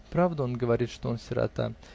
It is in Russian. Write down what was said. Правду он говорит, что он сирота.